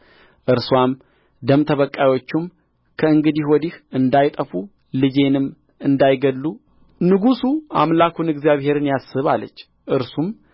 እርስዋም ደም ተበቃዮችም ከእንግዲህ ወዲህ እንዳያጠፉ ልጄንም እንዳይገድሉ ንጉሡ አምላኩን እግዚአብሔርን ያስብ አለች እርሱም